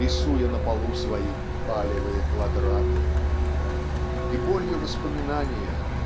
рисуя на полу свои "палевые квадраты". И болью воспоминания